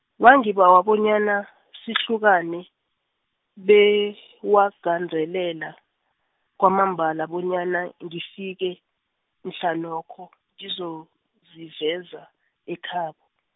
wangibawa bonyana, sihlukane, bewagandelela, kwamambala bonyana, ngifike, mhlanokho ngizoziveza, ekhabo.